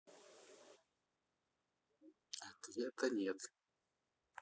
ответа нет